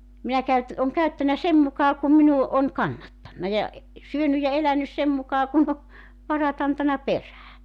minä - olen käyttänyt sen mukaan kuin minun on kannattanut ja - syönyt ja elänyt sen mukaan kuin on varat antanut perään